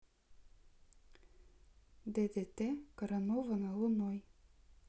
ддт коронована луной